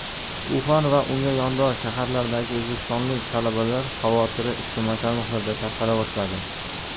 uxan va unga yondosh shaharlardagi o'zbekistonlik talabalar xavotiri ijtimoiy tarmoqlarda tarqala boshladi